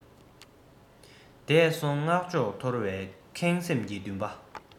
འདས སོང བསྔགས བརྗོད ཐོར བའི ཁེངས སེམས ཀྱི འདུན པ